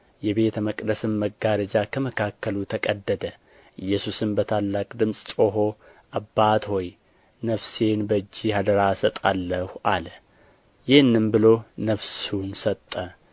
የቤተ መቅደስም መጋረጃ ከመካከሉ ተቀደደ ኢየሱስም በታላቅ ድምፅ ጮኾ አባት ሆይ ነፍሴን በእጅህ አደራ እሰጣለሁ አለ ይህንም ብሎ ነፍሱን ሰጠ